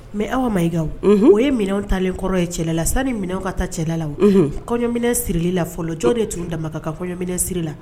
Mais Awa Maiga o unhun o ye minɛnw talen kɔrɔ ye cɛla la sani minɛnw ka taa cɛla la o unhun kɔɲɔminɛn sirili la fɔlɔ jɔn de tun dama ka kan kɔɲɔminɛn siri la